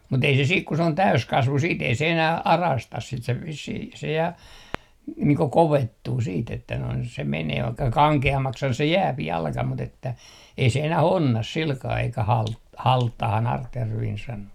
mutta ei se sitten kun se on täysikasvu sitten ei se enää arasta sitä se vissiin ja niin kuin kovettuu sitten että noin se menee vaikka kankeammaksihan se jää jalka mutta että ei se enää onna sillä kalella eikä - halttaahan artjärvinen sanoi